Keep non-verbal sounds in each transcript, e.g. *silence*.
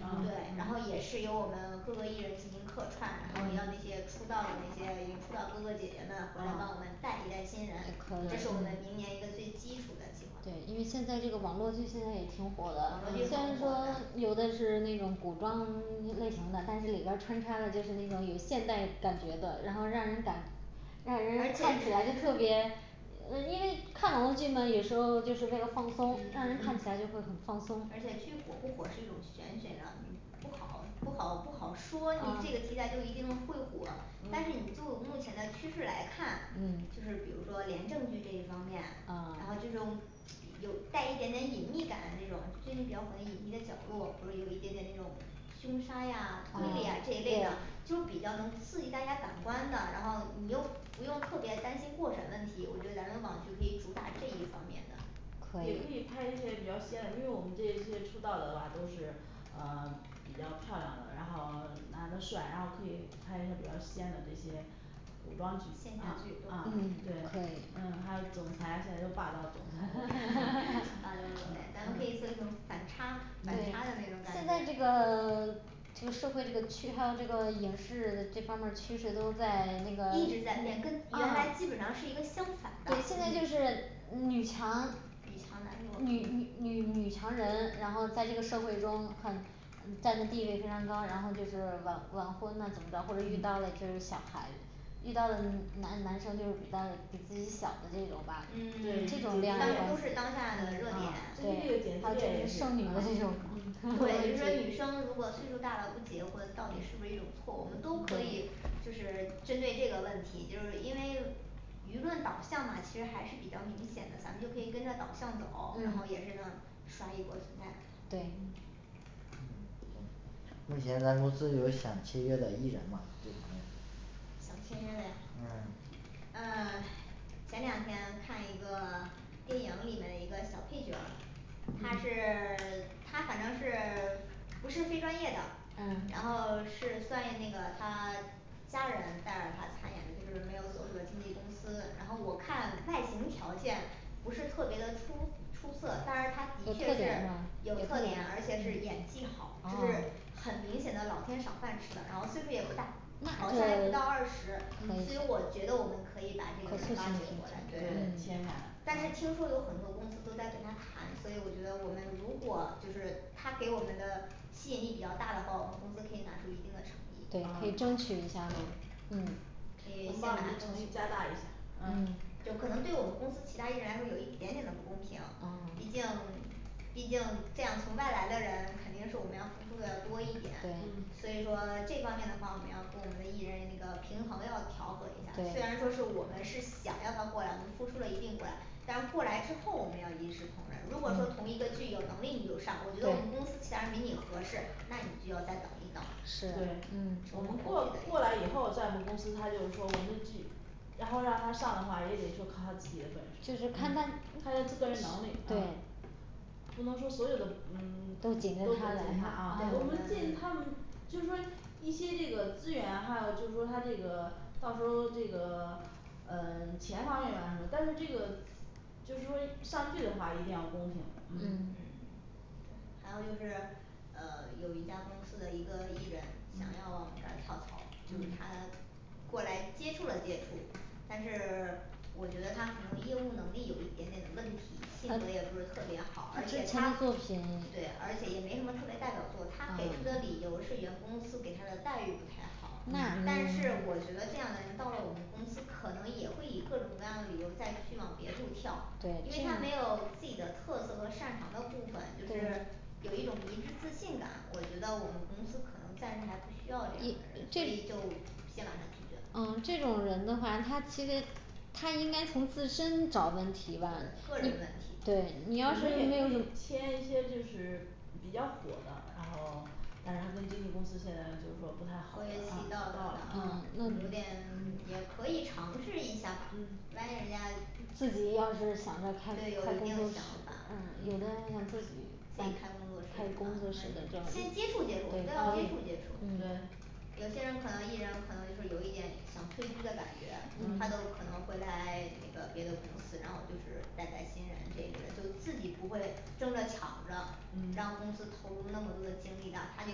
嗯对，然后也是由我们各个艺人进行客串，然后要那嗯些出道的那些已经出道哥哥姐姐们回来帮我们啊带一带新人，这是我对们明年一个最基础的计划对，因为现在这个网络剧现在也挺火的，虽然说有的是那种古装 *silence* 类型的，但是里边儿穿插的就是那种有现代感觉的，然后让人感让人而看且起来就特别呃因为看网络剧嘛有时候就是为了放松，让人嗯看起嗯来就会很放松嗯而且剧火不火是一种玄学啊，不好不好不好说你这个题啊材就一定会火，但是你就嗯目前的趋势来看，嗯就是比如说廉政剧这一方面，啊然后这种有带一点点隐秘感的这种最近比较火的隐秘的角落，不是有一点点那种凶杀呀推理啊啊对这一类的对，就是比较能刺激大家感官的，然后你又不用特别担心过审问题，我觉得咱们网剧可以主打这一方面的可以也可以拍一些比较仙的，因为我们这一些出道的话都是呃比较漂亮的，然后男的帅然后可以拍一些比较仙的这些古装剧仙嗯侠剧嗯都可以对，可以嗯还有总裁现在都霸道总 *noise* 裁的， *noise* *noise* 霸道总呃裁嗯咱们嗯可以，做一种反差对反差嗯的那种感现在这觉个 *silence* 这个社会这个趋还有这个影视这方面儿趋势都在那个啊一直在变，跟原来啊基本上是一个相反对的，现在就嗯是女强女强男弱女女女女强人，然后在这个社会中很占的地位非常高，然后就是晚晚婚呐怎么着，或者遇嗯到了就是小孩遇到的男男生就是比较比自己小的这种吧对姐这种弟恋恋人关当都系是当下的热啊点最近这个对姐他弟们就恋也是是啊少女的这种对就是说女 *noise* 生如果岁数儿大了不结婚，到底是不是一种错误，我们都可以就是针对这个问题，就是因为舆论导向嘛其实还是比较明显的，咱们就可以跟着导向走，然后嗯也是呢刷一波存在感对嗯嗯目前咱公司有想签约的艺人嘛这方面想签约的呀嗯呃 *silence* 前两天看一个 *silence* 电影里面的一个小配角儿他嗯是 *silence* 他反正是 *silence* 不是非专业的嗯然后是算一那个他家人带着他参演的，就是没有所属的经纪公司，然后我看外形条件不是特别得出出色，当然他的确是有特点，而且是演技好，这是哦很明显的老天赏饭吃的，然后岁数儿也不大那好像还不到二是对十，嗯所以我觉得我们可以把这个人挖掘过来对签下但是来啊听说有很多公司都在跟他谈，所以我觉得我们如果就是他给我们的吸引力比较大的话，我们公司可以拿出一定的诚意对可以嗯争取一下对嘛嗯嗯可以我先们把把我他们的争诚取意过加大一来下嗯就可能对我们公司其他艺人来说有一点点的不公平，哦毕竟毕竟这样从外来的人肯定是我们要付出的要多一点，对嗯所以说这方面的话我们要跟我们的艺人那个平衡要调和一下，虽对然说是我们是想要他过来，我们付出了一定过来，但是过来之后我们要一视同仁，如果说同一个嗯剧有能力你就上，我觉得我们公对司其他人比你合适，你就要再等一等。是对嗯我们过过来以后在我们公司他就是说我们的剧然后让他上的话也得说靠他自己的本事就是看他嗯看他的个人能力嗯对不能说所有的嗯都紧都紧着他来他他啊我我们们见他们就是说一些这个资源，还有就是说他这个到时候这个嗯 *silence* 钱方面吧什么但是这个就是说上剧的话一定要公平嗯嗯 *silence* 还有就是呃有一家公司的一个艺人想嗯要往我们这儿跳槽，就是嗯他过来接触了接触，但是 *silence* 我觉得他可能业务能力有一点点的问题，性格也不是特别好，而且他他对作品而且也没什么特别代表作，他给出啊的嗯理由是原公司给他的待遇不太好那嗯但是我觉得这样的人到了我们公司可能也会以各种各样的理由再去往别处跳，因对为他没有自己的特色和擅长的部分，就是有一种迷之自信感，我觉得我们公司可能暂时还不需要这你样的人，这所以就先把他拒绝了嗯这种人的话，他其实他应该从自身找问对个人问题题吧你对我们你也要是没有可什以么签一些就是比较火的，然后但是他跟经纪公司现在就是说不太好合的约期嗯到到了了嗯有嗯点 *silence* 也可以尝试一下吧，嗯万一人家自己要是想着开开对有一工定作室想法，有的嗯人想自己自开己开开工工作室，作室先就接触接触你对都要接触接触，对有些人可能艺人可能就是有一点想退居的感觉，他嗯都可能会来那个别的公司，然后就是带带新人这一类的，就自己不会争着抢着嗯让公司投入那么多的精力的，他就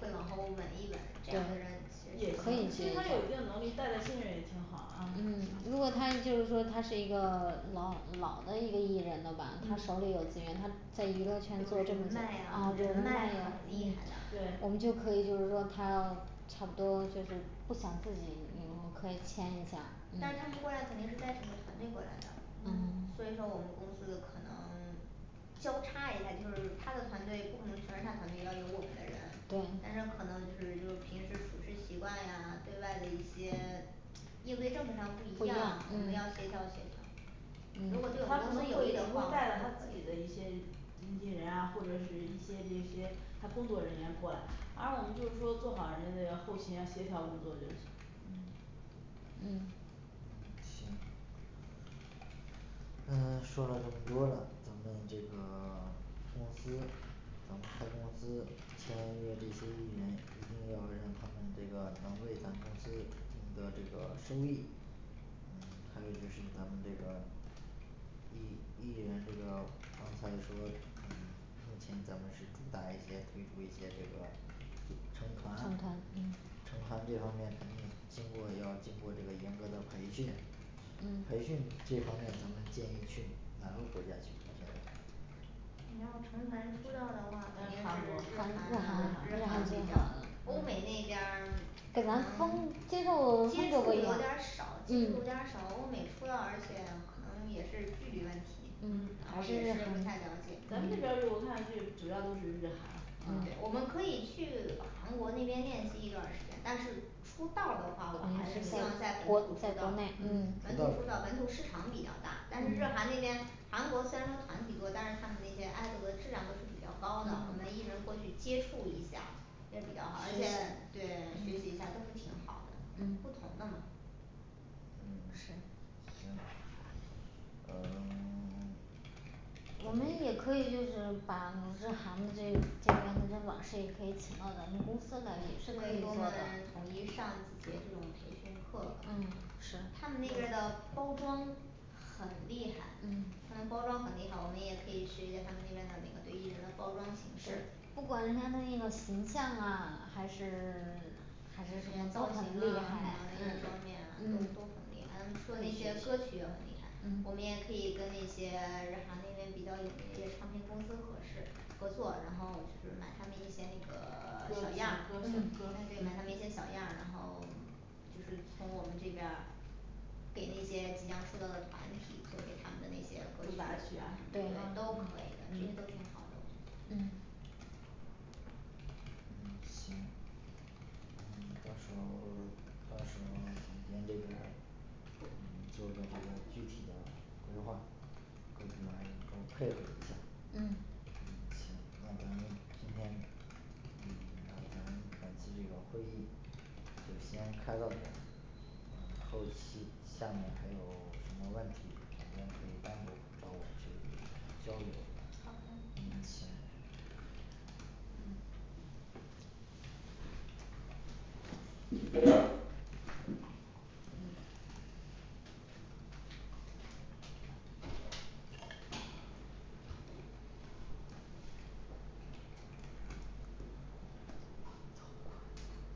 会往后稳一稳，这样的人也可以行，这其样实他有一定能力带带新人也挺好啊如果他就是说他是一个老老的一个艺人的嘛，他手嗯里有资源，他在娱有乐圈做这人么久脉啊啊嗯人脉很厉嗯害的对我们就可以就是让他差不多就是不想自己我们可以签一下但是他们嗯过来肯定是带整个团队过来的，嗯嗯所以说我们公司可能 *silence* 交叉一下就是他的团队，不可能全是他团队要有我们的人，对但是可能就是就平时处事习惯啊对外的一些应对政策上不不一一样样，我们嗯要协调协调嗯如果对我们他公可能司有会利也的话带着他自嗯己的一些经纪人啊或者是一些这些他工作人员过来，而我们就是说做好人家的后勤啊协调工作就行嗯嗯行嗯说了这么多了，咱们这个 *silence* 公司咱们开公司签约这些艺人，一定要让他们那个能为咱公司赢得这个收益嗯还有一些是咱们这个艺艺人这个刚才说嗯目前咱们是主打一些推出一些这个组成团成成团团嗯这方面肯定经过要经过这个严格的培训嗯培训这方面咱们建议去哪个国家去培训呢你要成团出道的话嗯肯定是韩国日韩呐日韩日日韩韩比较，嗯欧美那边儿可跟咱风能接接受触风格不有一点样儿少接嗯触有点儿少，欧美出道而且可能也是距离问题，然后也是不太了解咱们这边儿就我看就主要都是日韩了，对嗯我们可以去韩国那边练习一段儿时间但是出道儿的话我还是希望在本土在出道国内儿嗯嗯本出道土出道本土市场比较大，但是日韩那边韩国虽然说团体多，但是他们那些爱豆的质量都是比较高的，我们艺人过去接触一下这比较好，而且对学习一下都是挺好的，嗯不同的嘛嗯行行呃 *silence* 我们也可以就是把日韩的这这边的老师也可以请到咱们公司来，也是可对以的给我们统一上几节这种培训课嗯是他们那边儿的包装很厉害，嗯他们包装很厉害，我们也可以学学他们那边的那个对艺人的包装形式，不管人家的那个形象啊还是 *silence* 还是呃都造型很啊什厉害么那嗯些方面都嗯都很厉害，他们出的那些歌曲也很厉害我嗯们也可以跟那些日韩那边比较有名一些唱片公司合适合作，然后我去买他们一些那个 *silence* 小样儿，啊歌歌对买歌他们一嗯些小样儿然后就是从我们这边儿给那些即将出道的团体，作为他们的那些歌主打曲曲啊，什对么的都可以的，这些都嗯挺好的我觉得嗯嗯行嗯到时候儿 *silence* 到时候儿你们这边儿你们做个这个具体的计划各部门儿都配合一下儿嗯嗯行那咱今天嗯那咱本次这个会议就先开到这儿嗯后期，下面还有什么问题，你们可以单独找我去交流好的嗯行嗯都困